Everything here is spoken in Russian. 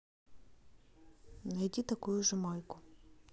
найди такую же майку